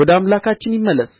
ወደ አምላካችን ይመለስ